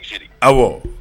Aw